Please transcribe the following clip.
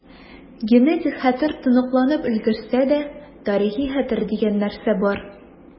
Генетик хәтер тоныкланып өлгерсә дә, тарихи хәтер дигән нәрсә бар.